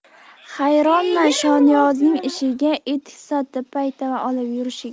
hayronman shoniyozning ishiga etik sotib paytava olib yurishiga